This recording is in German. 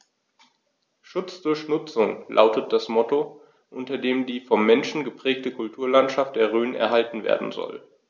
„Schutz durch Nutzung“ lautet das Motto, unter dem die vom Menschen geprägte Kulturlandschaft der Rhön erhalten werden soll.